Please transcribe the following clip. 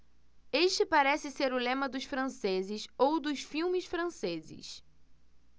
este parece ser o lema dos franceses ou dos filmes franceses